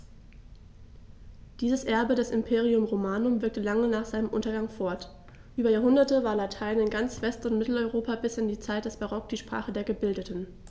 Dieses Erbe des Imperium Romanum wirkte lange nach seinem Untergang fort: Über Jahrhunderte war Latein in ganz West- und Mitteleuropa bis in die Zeit des Barock die Sprache der Gebildeten.